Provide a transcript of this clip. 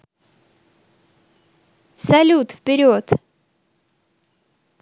салют вперед